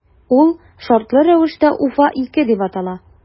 Ул шартлы рәвештә “Уфа- 2” дип атала.